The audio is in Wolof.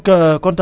waa jërëjëf